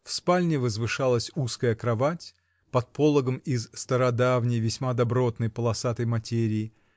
В спальне возвышалась узкая кровать, под пологом из стародавней, весьма добротной полосатой материи